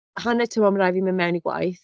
Hanner tymor ma' raid i fi mynd mewn i gwaith.